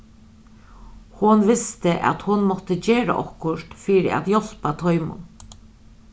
hon visti at hon mátti gera okkurt fyri at hjálpa teimum